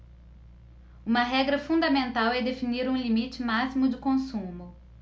uma regra fundamental é definir um limite máximo de consumo